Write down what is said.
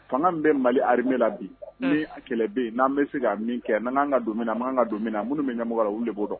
Fanga bɛ mali harme la bi ni kɛlɛ bɛ yen n'an bɛ se k'a min kɛ n' kan ka don n'an ka don min na minnu bɛ ɲamɔgɔ la olu de'o dɔn